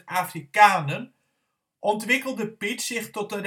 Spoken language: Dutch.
Afrikanen, ontwikkelde Piet zich tot